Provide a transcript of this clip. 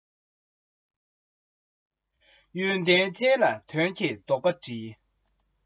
ལུ གུ སྤྱང ཀིའི ཁ ལ བཅུག ཡོང ངོ